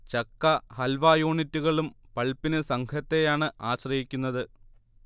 ചക്ക ഹൽവ യൂണിറ്റുകളും പൾപ്പിന് സംഘത്തെയാണ് ആശ്രയിക്കുന്നത്